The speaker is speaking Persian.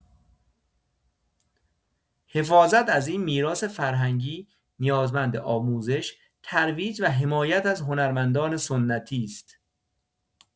حفاظت از این میراث‌فرهنگی نیازمند آموزش، ترویج و حمایت از هنرمندان سنتی است.